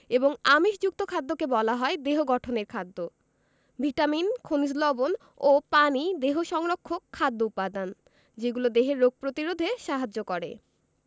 এবং আমিষযুক্ত খাদ্যকে বলা হয় দেহ গঠনের খাদ্য ভিটামিন খনিজ লবন ও পানি দেহ সংরক্ষক খাদ্য উপাদান যেগুলো দেহের রোগ প্রতিরোধে সাহায্য করে